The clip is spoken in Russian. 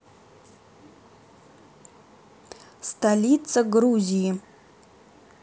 столица грузии